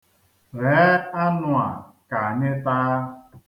Ghee anụ a ka anyị taa.